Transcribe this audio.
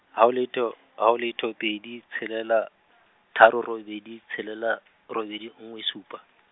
ha ho letho , haho letho pedi tshelela, tharo robedi tshelela , robedi nngwe supa.